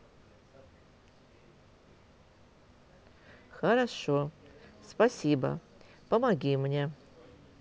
хорошо спасибо помоги мне